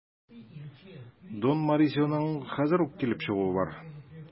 Дон Морисионың хәзер үк килеп чыгуы бар.